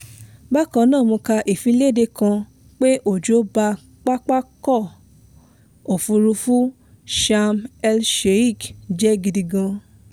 Bákan náà mo ka ìfiléde kan pé òjò ba pápákọ̀ òfurufú Sham El-Sheikh jẹ́ gidi gan!